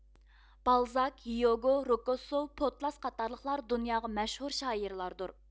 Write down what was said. بالزاك ھيوگو روكسسوۋ پودلاس قاتارلىقلاردۇنياغا مەشھۇر شائىرلاردۇر